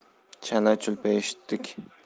chala chulpa eshitdik